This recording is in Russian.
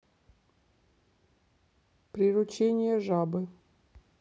приручение жабы